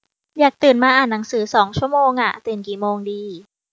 อยากตื่นมาอ่านหนังสือสองชั่วโมงอะตื่นกี่โมงดี